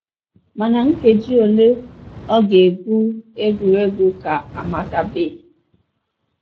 Mana nkeji ole ọ ga-egwu egwuregwu ka amatabeghị.